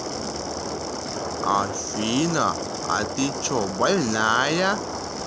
афина а ты че больная